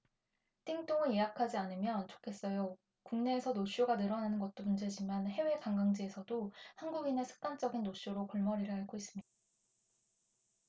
띵똥은 예약하지 않았으면 좋겠어요국내에서 노쇼가 늘어나는 것도 문제지만 해외 관광지에서도 한국인의 습관적인 노쇼로 골머리를 앓고 있습니다